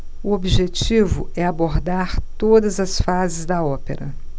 o objetivo é abordar todas as fases da ópera